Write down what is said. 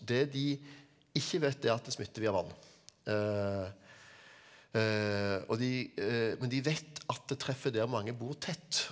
det de ikke vet er at det smitter via vann og de de men de vet at det treffer der mange bor tett.